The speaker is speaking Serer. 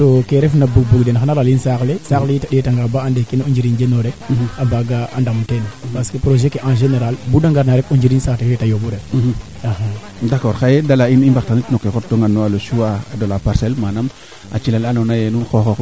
d' accord i ngara boo ndiik no choix fee ando naye ten refu le choix de la parcelle xa cila xe naxa qola xeene keene waru ref o qol la kene waru ref nam feru nee ando naye naaga nu njil tano yo maaga no caate ke nu mola no pinke nuun